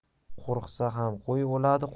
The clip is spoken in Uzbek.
qo'rqsa ham qo'y o'ladi